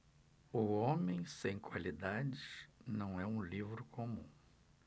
o homem sem qualidades não é um livro comum